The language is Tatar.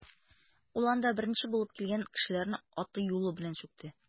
Ул анда беренче булып килгән кешеләрне аты-юлы белән сүкте.